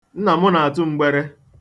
Nna m na-atụ mgbere.